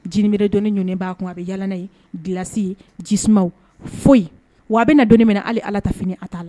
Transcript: Jinɛinib dɔnninen ɲinin b'a kun a bɛ yaala ye dilansi ye jisw foyi ye wa a bɛ na don minɛ hali ala ta fini a t'a la